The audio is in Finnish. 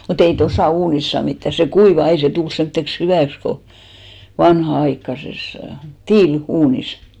mutta ei tuossa uunissa saa mitään se kuivaa ei se tule semmoiseksi hyväksi kuin vanhanaikaisessa tiiliuunissa